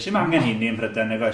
Sy'm angen heini ym Mhrydain, nag oes?